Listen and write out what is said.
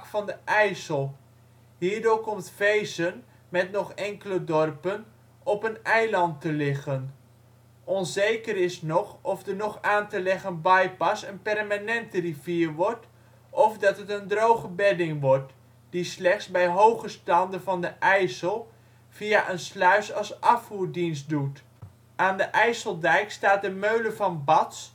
van de IJssel. Hierdoor komt Veessen (met nog enkele dorpen) op een eiland te liggen. Onzeker is nog of de nog aan te leggen bypass een permanente rivier wordt, of dat het een droge bedding wordt, die slechts bij hoge standen van de IJssel via een sluis als afvoer dienst doet. Aan de IJsseldijk staat de Mölle van Bats